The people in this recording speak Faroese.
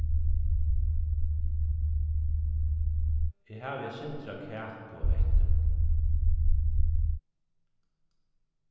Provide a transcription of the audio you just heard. eg havi eitt sindur av kaku eftir